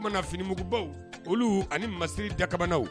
Oumana finimugubaw olu ani masi dakaw